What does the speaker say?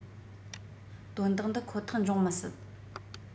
དོན དག འདི ཁོ ཐག འབྱུང མི སྲིད